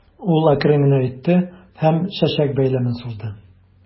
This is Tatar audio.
Ул әкрен генә әйтте һәм чәчәк бәйләмен сузды.